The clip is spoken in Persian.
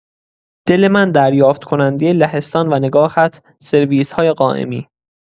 دل من دریافت‌کننده لهستان و نگاهت سرویس‌های قائمی!